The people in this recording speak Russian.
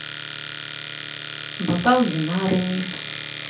бокал вина ремикс